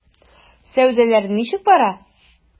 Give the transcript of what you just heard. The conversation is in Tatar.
Сәүдәләр ничек бара?